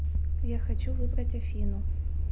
я хочу выбрать афину